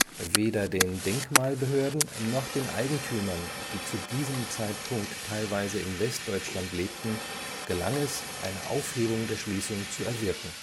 Weder den Denkmalbehörden noch den Eigentümern, die zu diesem Zeitpunkt teilweise in Westdeutschland lebten, gelang es, eine Aufhebung der Schließung zu erwirken